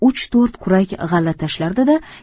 uch to'rt kurak g'alla tashlardi da